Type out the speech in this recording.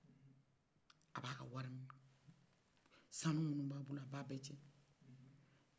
a b'a ka wari minɛ sanu minu b'aw bolo a b'a bɛ cɛ